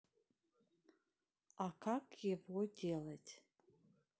а как его делать